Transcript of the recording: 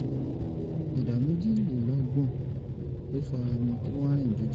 Ìdá méjìlélọ́gbọ̀n ló faramọ́ kí Warren díje.